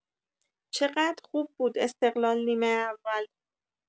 چقد خوب بود استقلال نیمه اول!